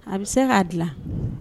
A bɛ se k'a dilan